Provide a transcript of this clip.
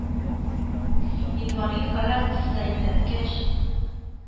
Инвалид коляскасы да юнәткәч,